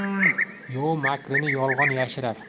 yov makrini yolg'on yashirar